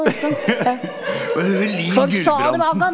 men hun Liv Guldbrandsen.